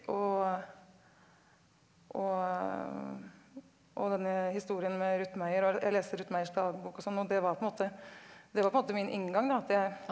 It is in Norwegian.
og og og denne historien med Ruth Meier og jeg leste Ruth Meiers dagbok og sånn og det var på en måte det var på en måte min inngang da at jeg.